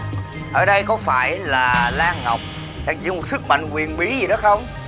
ở đây có phải là lan ngọc đang dùng sức mạnh huyền bí gì đó không